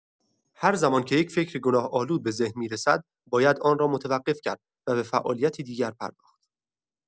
هر زمان که یک فکر گناه‌آلود به ذهن می‌رسد، باید آن را متوقف کرد و به فعالیتی دیگر پرداخت.